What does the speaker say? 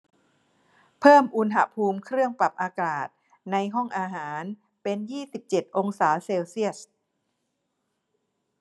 เพิ่มอุณหภูมิเครื่องปรับอากาศในห้องอาหารเป็นยี่สิบเจ็ดองศาเซลเซียส